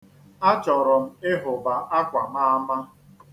Achọrọ m ịhụba akwa m ama.